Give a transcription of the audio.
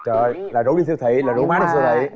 trời là rủ đi siêu thị là rủ má đi